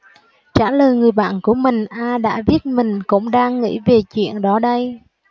trả lời người bạn của mình a đã viết mình cũng đang nghĩ về chuyện đó đây